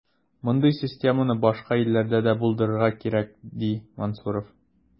Мондый системаны башка илләрдә дә булдырырга кирәк, ди Мансуров.